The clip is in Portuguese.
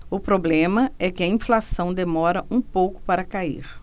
o problema é que a inflação demora um pouco para cair